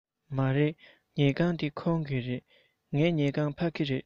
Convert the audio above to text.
མ རེད ཉལ ཁང འདི ཁོང གི རེད ངའི ཉལ ཁང ཕ གི རེད